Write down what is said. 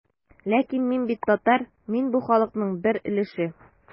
Ләкин мин бит татар, мин бу халыкның бер өлеше.